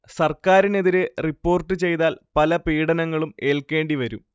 സർക്കാരിനെതിരെ റിപ്പോർട്ട് ചെയ്താൽ പല പീഡനങ്ങളും ഏൽക്കേണ്ടിവരും